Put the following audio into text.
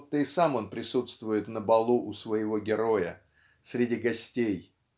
будто и сам он присутствует на балу у своего героя среди гостей.